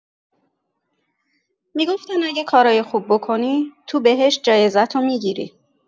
می‌گفتن اگه کارای خوب بکنی، تو بهشت جایزه‌ت رو می‌گیری.